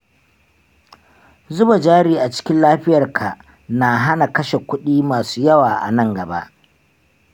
zuba jari acikin lafiyar ka, na hana kashe kuɗi masu yawa anan gaba.